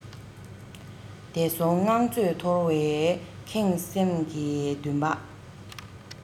འདས སོང བསྔགས བརྗོད ཐོར བའི ཁེངས སེམས ཀྱི འདུན པ